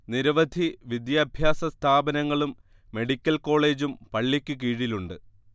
നിരവധി വിദ്യാഭ്യാസ സ്ഥാപനങ്ങളും മെഡിക്കൽ കോളേജും പള്ളിക്ക് കീഴിലുണ്ട്